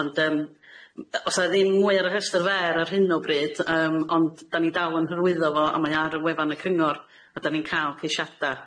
Ond yym, m- y- 'o's 'a ddim mwy ar y rhestr fer ar hyn o bryd yym ond 'dan ni dal yn hyrwyddo fo, a mae ar y wefan y cyngor. A 'dan ni'n ca'l ceisiada'